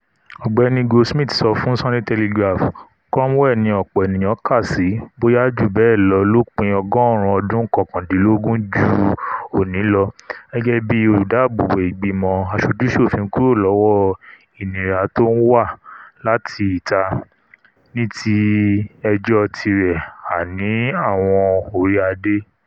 Ọ̀gbẹ́ni Goldsmith sọ fún Sunday Telegraph: “Cromwell ni ọ̀pọ̀ ènìyàn kàsí, bóyá jù bẹ́ẹ̀ lọ lópin ọgọ́ọ̀rún ọdún kọkàndínlógún ju òní lọ, gẹ́gẹ́bí olùdáààbó ìgbìmọ̀ aṣojú-ṣofiń kúrò lọ́wọ́ ìnira tó ńwá láti ìta, níti ẹjọ́ tirẹ̀ àní àwọn orí-adé.